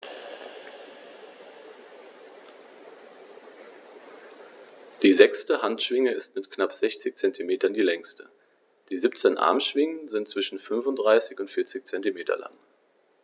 Die sechste Handschwinge ist mit knapp 60 cm die längste. Die 17 Armschwingen sind zwischen 35 und 40 cm lang.